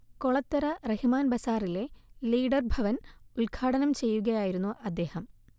കൊളത്തറ റഹിമാൻ ബസാറിലെ ലീഡർ ഭവൻ ഉൽഘാടനം ചെയ്യുകയായിരുന്നു അദ്ദേഹം